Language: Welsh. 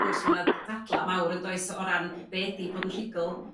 gwrs ma' 'na dddadla' mawr yn does? O ran be ydi bod yn rhugl?